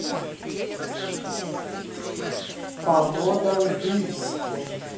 погода в бийске